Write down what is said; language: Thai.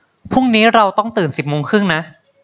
พรุ่งนี้เราต้องตื่นสิบโมงครึ่งนะ